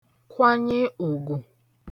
kwanye ùgwù